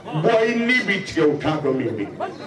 Bɔn i min bɛ tigɛ o kan dɔ min bi